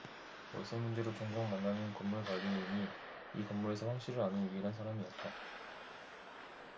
월세 문제로 종종 만나는 건물 관리인이 이 건물에서 황씨를 아는 유일한 사람이었다